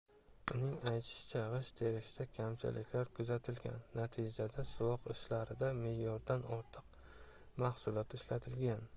uning aytishicha g'isht terishda kamchiliklar kuzatilgan natijada suvoq ishlarida me'yordan ortiq mahsulot ishlatilgan